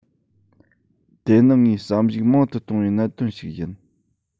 དེ ནི ངས བསམ གཞིགས མང དུ གཏོང བའི གནད དོན ཞིག ཡིན